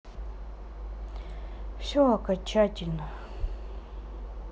все окончательно